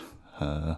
Hø.